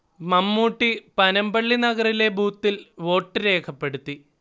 മമ്മൂട്ടി പനമ്പള്ളി നഗറിലെ ബൂത്തിൽ വോട്ട് രേഖപ്പെടുത്തി